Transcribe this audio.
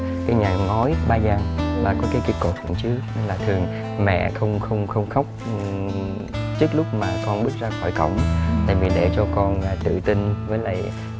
cái nhà ngói ba gian là có cái cây cột ở trước nên là thường mẹ không không không khóc trước lúc mà con bước ra khỏi cổng tại vì để cho con tự tin với lại